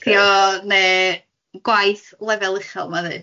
...pigio neu gwaith lefel uchel ma'n ddeud.